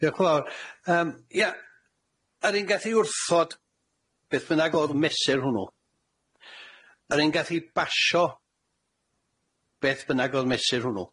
Diolch yn fawr. Yym ia, yr un gath ei wrthod, beth bynnag o'dd mesur hwnnw, yr un gath ei basio beth bynnag o'dd mesur hwnnw,